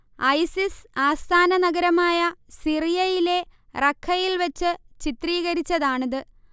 ISIS ആസ്ഥാന നഗരമായ സിറിയയിലെ റഖ്ഖയിൽ വച്ച് ചിത്രീകരിച്ചതാണിത്